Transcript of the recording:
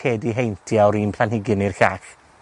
lledu heintie o'r un planhigyn i'r llall.